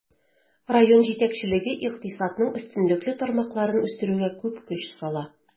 Район җитәкчелеге икътисадның өстенлекле тармакларын үстерүгә күп көч сала.